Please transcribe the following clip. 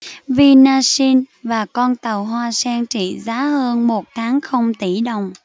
vinashin và con tàu hoa sen trị giá hơn một tháng không tỉ đồng